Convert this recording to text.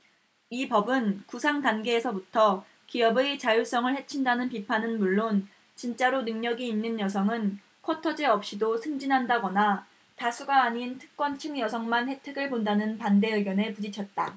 이 법은 구상단계에서부터 기업의 자율성을 해친다는 비판은 물론 진짜로 능력이 있는 여성은 쿼터제 없이도 승진한다거나 다수가 아닌 특권층 여성만 혜택을 본다는 반대 의견에 부딪혔다